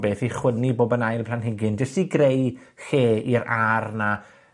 beth i chwynnu bob yn ail planhigyn jys i greu lle i'r a'r 'na